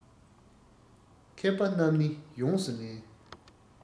མཁས པ རྣམས ནི ཡོངས སུ ལེན